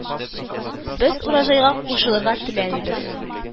Без Урожай га кушылырга теләмибез